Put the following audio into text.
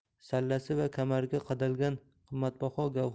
sallasi va kamariga qadalgan qimmatbaho